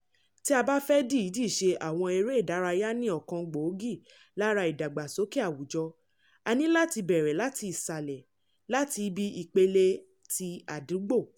Tí a bá fẹ́ dìídì ṣe àwọn eré ìdárayá ní ọ̀kan gbòógì lára ìdàgbàsókè àwùjọ, a ní láti bẹ̀rẹ̀ láti ìsàlẹ̀, láti ibi ìpele ti àdúgbò.